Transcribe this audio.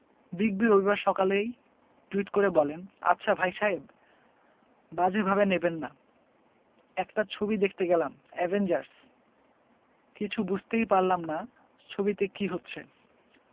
big B রবিবার সকালেই tweet করে বলেন আচ্ছা ভাই সাহেব বাজে ভাবে নেবেন না একটা ছবি দেখতে গেলাম অ্যাভেঞ্জার্স... কিছু বুঝতেই পারলাম না ছবিতে কী হচ্ছে